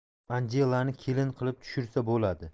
anjelani kelin qilib tushirsa bo'ladi